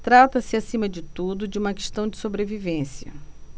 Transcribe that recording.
trata-se acima de tudo de uma questão de sobrevivência